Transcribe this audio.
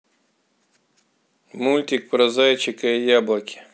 мультик про зайчика и яблоки